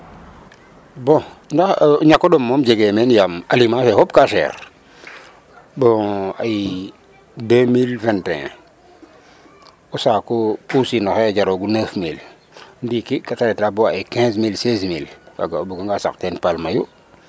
Bon ndaa ñak o ɗom moom jegee meen yaam aliment fe fop kaa chére bon ay 2021 o saaku pursiin o xaƴa jaroogu 9000 ndiiki oxey reta bo ay 15000 16000 kaaga o buganga saq teen paal mayu.